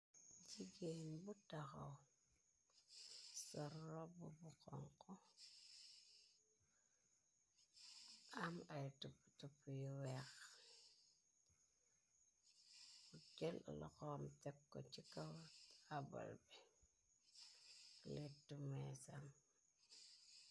jigéen bu taxaw sa robb bu xonk am ay tup yu weex jël la xoom tekko ci kaw abal bi lettu meesam